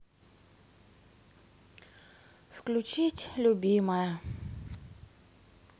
включить любимая